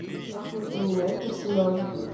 как мне поменять персонажа